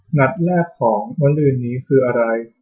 นัดแรกของมะรืนนี้คืออะไร